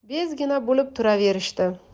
bezgina bo'lib turaverishdi